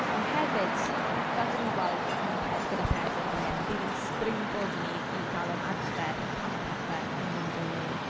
Ond hefyd, fel dan ni'n gweld gan- gyda Pedr fan hyn, bydd e'n springboard i ni, i gael ein adfer pan ma' pethau'n mynd o'i le.